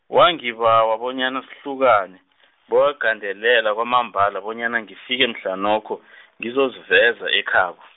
wangibawa bonyana sihlukane , bewagandelela kwamambala bonyana ngifike mhlanokho , ngizoziveza ekhabo.